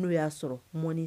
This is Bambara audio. N'o y'a sɔrɔ mɔnɔni